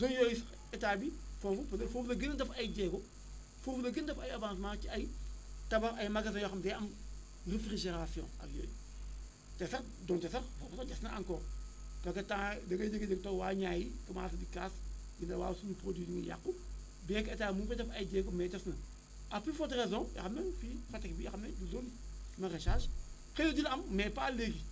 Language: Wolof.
zone yooyu état bi foofu peut être foofu la gën a def ay jéego foofu la gën a def ay avancement ci ay tabax ay magasins yoo xam ne day am refrigération ak yooyu te sax donte sax c' est vrai des na encore parce que temps da ngay jékki-jékki waa Niayes commencé di kaas di ne waaw suñu produit yi ñu ngi yàqu bien que état mu ngi def ay jéego mais des na à plus forte raison te xam nga aussi Fatick bii xam nga du zone maraîchage xëy na dina am mais pas léegi